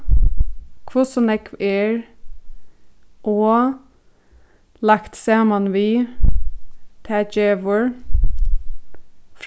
hvussu nógv er og lagt saman við tað gevur